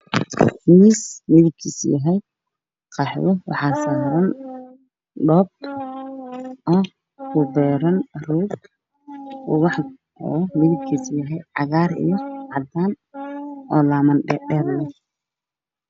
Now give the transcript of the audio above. Meeshaan waxaa yaalo miis waxaa dul saaran ubax